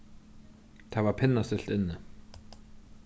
tað var pinnastilt inni